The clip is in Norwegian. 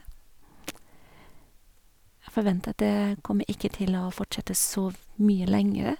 Jeg forventer at det kommer ikke til å fortsette så v mye lengre.